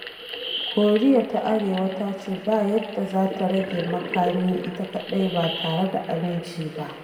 Koriya ta Arewa ta ce ‘ba yadda’ za ta rage makami ita kaɗai ba tare da aminci ba